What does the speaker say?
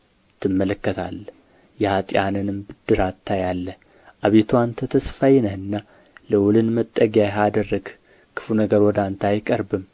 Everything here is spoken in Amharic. ትመለከታለህ የኃጥኣንንም ብድራት ታያለህ አቤቱ አንተ ተስፋዬ ነህና ልዑልን መጠጊያህ አደረግህ ክፉ ነገር ወደ አንተ አይቀርብም